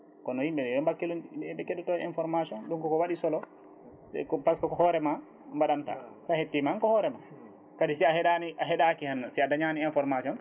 kono yimɓe yo bakkilo nde ɓe keɗoto information ɗum koko waɗi solo par ce que hoorema mbaɗanta sa hettima ko hoorema kadi sa heɗani a heeɗaki hen si a dañani information